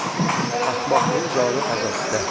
ahmoqning joni azobda